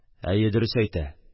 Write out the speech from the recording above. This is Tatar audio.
– әйе, дөрес әйтә.